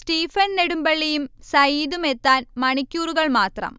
Stephen നെടുമ്ബളളിയും സയീദുമെത്താൻ മണിക്കൂറുകൾ മാത്രം